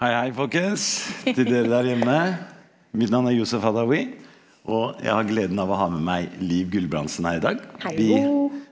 hei hei folkens, til dere der hjemme, mitt navn er Yousef Hadauoi og jeg har gleden av å ha med meg Liv Guldbrandsen her i dag .